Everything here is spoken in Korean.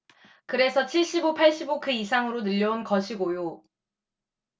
그래서 칠십 오 팔십 오 그 이상으로 늘려온 것이고요